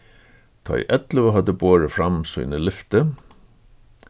tá ið ellivu høvdu borið fram síni lyfti